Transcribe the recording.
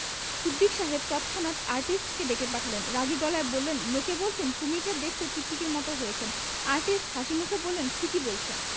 সিদ্দিক সাহেব তৎক্ষণাৎ আর্টিস্টকে ডেকে পাঠালেন রাগী গলায় বললেন লোকে বলছে কুমীরটা দেখতে টিকটিকির মত হয়েছে আর্টিস্ট হাসিমুখে বললেন ঠিকই বলছে